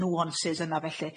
nuances yna felly.